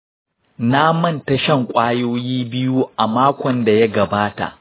na manta shan kwayoyi biyu a makon da ya gabata.